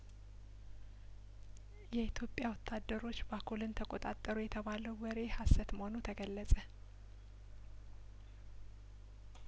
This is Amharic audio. የኢትዮጵያ ወታደሮች ባኮልን ተቆጣጠሩ የተባለው ወሬ ሀሰት መሆኑ ተገለጸ